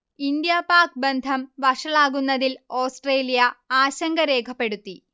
India Pak ബന്ധം വഷളാകുന്നതിൽ Australia ആശങ്ക രേഖപ്പെടുത്തി